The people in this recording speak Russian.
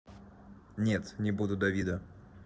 нет не буду давида